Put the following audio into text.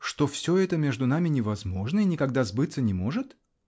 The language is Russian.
что все это между нами невозможно -- и никогда сбыться не может?